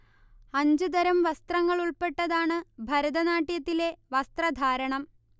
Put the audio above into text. അഞ്ച് തരം വസ്ത്രങ്ങളുൾപ്പെട്ടതാണ് ഭരതനാട്യത്തിലെ വസ്ത്രധാരണം